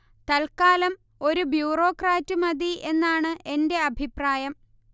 തല്ക്കാലം ഒരു ബ്യൂറോക്രാറ്റ് മതി എന്നാണ് എന്റെ അഭിപ്രായം